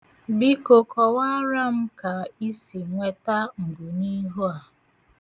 Biko, kọwaara m ka ị si nweta ngụniihu a.